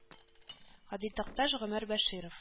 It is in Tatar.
Һади Такташ Гомәр Бәширов